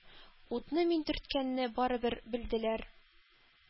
Утны мин төрткәнне барыбер белделәр.